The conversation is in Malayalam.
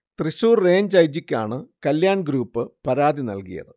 Thrissur range I. ജിക്കാണ് കല്യാൺ ഗ്രുപ്പ് പരാതി നൽകിയത്